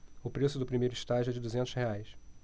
o preço do primeiro estágio é de duzentos reais